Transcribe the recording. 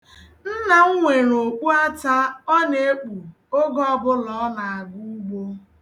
Nna m nwere okpuata ọ na-ekpu oge ọbụla ọ na-aga ugbo.